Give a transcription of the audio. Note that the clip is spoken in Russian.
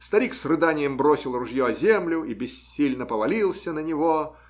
старик с рыданием бросил ружье о землю и бессильно повалился на него.